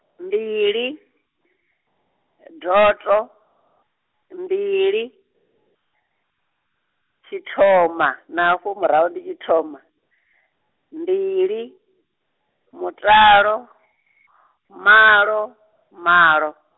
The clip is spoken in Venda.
mbili, doto, mbili, tshithoma na hafho murahu ndi tshithoma, mbili, mutalo, malo, malo.